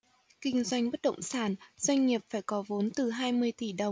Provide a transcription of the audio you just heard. kinh doanh bất động sản doanh nghiệp phải có vốn từ hai mươi tỷ đồng